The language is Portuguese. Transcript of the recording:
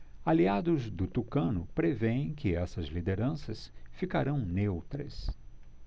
aliados do tucano prevêem que essas lideranças ficarão neutras